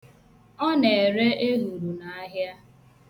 Ọ na-ere ehuru n' ahịa.